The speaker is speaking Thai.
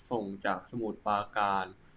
ส่งจากสมุทรปราการ